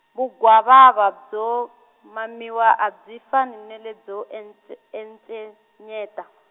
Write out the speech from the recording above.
vunghwavava byo, mamiwa a byi fani ne lebyo ence-, encenyeta.